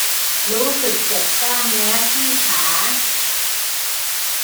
รู้สึกเจ็บกล้ามเนื้อที่ขา